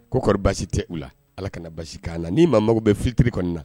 Ko kɔri basi tɛ u la ? Ala ka na basi kan na. Ni maa mago bɛ filtre kɔni na